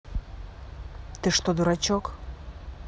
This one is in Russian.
ты что дурачок